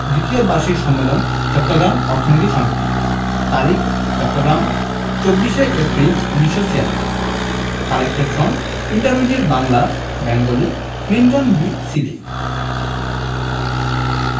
দ্বিতীয় বার্ষিক সম্মেলন চট্টগ্রাম অর্থনীতি সমিতি তারিখ চট্টগ্রাম ২৪শে April ১৯৭৬ collected from intermediate Bangla Bengali Clinton B Seely